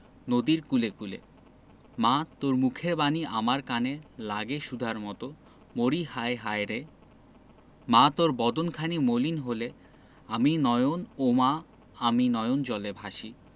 নদীর কূলে কূলে মা তোর মুখের বাণী আমার কানে লাগে সুধার মতো মরিহায় হায়রে মা তোর বদন খানি মলিন হলে ওমা আমি নয়ন ওমা আমি নয়ন জলে ভাসি